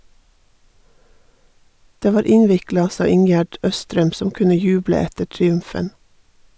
Det var innvikla, sa Ingjerd Østrem, som kunne juble etter triumfen.